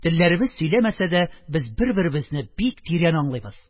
Телләребез сөйләмәсә дә, без бер-беребезне бик тирән аңлыйбыз.